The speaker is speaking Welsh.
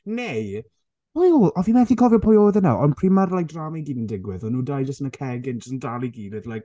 Neu... O! Fi methu cofio pwy oedd e nawr ond pryd ma'r like, drama i gyd yn digwydd o' nhw dau jyst yn y cegin jyst yn dal ei gilydd like...